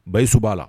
Bayisu ba la.